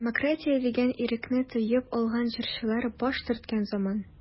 Демократия дигән ирекне тоеп алган җырчылар баш төрткән заман.